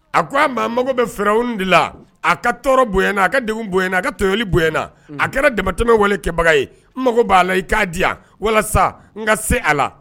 A ko a ma mago bɛ fɛɛrɛ de la a ka tɔɔrɔ bony na a ka denw boy na a ka toli bonyayana a kɛra damatɛmɛ wale kɛbaga ye mago b'a la i k'a diya yan walasa n ka se a la